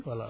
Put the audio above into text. voilà